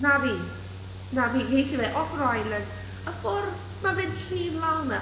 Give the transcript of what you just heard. Na fi na fi. Fi eisiau fe off yr island y ffor mae fe'n trin Lana.